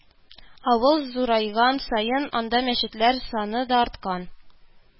Авыл зурайган саен анда мәчетләр саны да арткан